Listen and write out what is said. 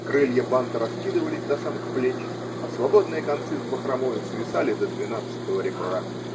крылья банта раскидывались до самых плеч, а свободные концы с бахромою свисали до двенадцатого ребра